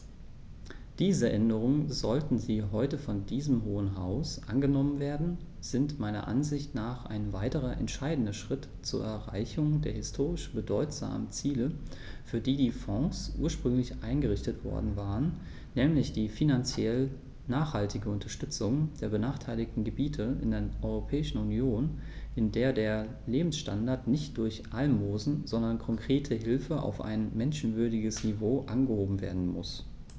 Diese Änderungen, sollten sie heute von diesem Hohen Haus angenommen werden, sind meiner Ansicht nach ein weiterer entscheidender Schritt zur Erreichung der historisch bedeutsamen Ziele, für die die Fonds ursprünglich eingerichtet worden waren, nämlich die finanziell nachhaltige Unterstützung der benachteiligten Gebiete in der Europäischen Union, in der der Lebensstandard nicht durch Almosen, sondern konkrete Hilfe auf ein menschenwürdiges Niveau angehoben werden muss.